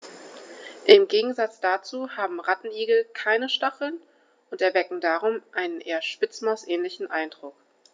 Im Gegensatz dazu haben Rattenigel keine Stacheln und erwecken darum einen eher Spitzmaus-ähnlichen Eindruck.